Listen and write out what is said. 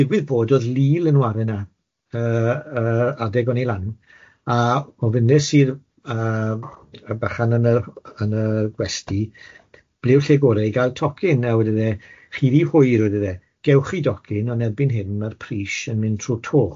Digwydd bod o'dd Lille yn ware 'na yy yy adeg o'n i lan, a ofynes i'r yy y bachan yn y yn y gwesty 'ble yw lle gore i ga'l tocyn?' A wedodd e 'chi ry hwyr', wedodd e 'gewch chi docyn, ond erbyn hyn ma'r pris yn mynd trwy'r to.'